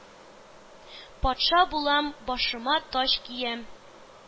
Патша булам, башыма таҗ киям,